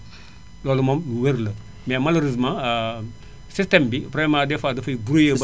loolu moom lu wér la mais malheureusement système bi vraiment dès fois dafay brouillé ba